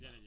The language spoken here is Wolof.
jërëjëf